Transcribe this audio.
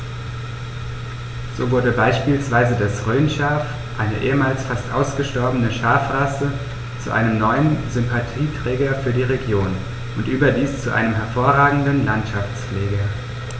So wurde beispielsweise das Rhönschaf, eine ehemals fast ausgestorbene Schafrasse, zu einem neuen Sympathieträger für die Region – und überdies zu einem hervorragenden Landschaftspfleger.